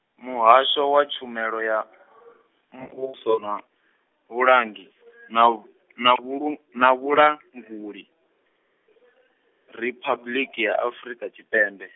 Muhasho wa Tshumelo ya , Muvhuso na, Vhulangi nao na Vhuru- na Vhura, na Vhulanguli, Riphabuḽiki ya Afurika Tshipembe.